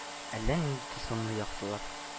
Әллә нинд тылсымлы яктылык